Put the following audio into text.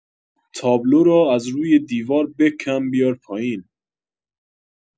تابلو را از روی دیوار بکن بیار پایین